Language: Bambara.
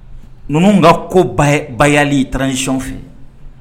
Ninnu ka kobayayali tarawele nicy fɛ